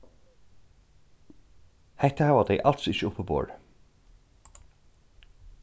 hetta hava tey als ikki uppiborið